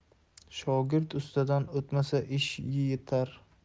shogird ustadan o'tmasa ish yitar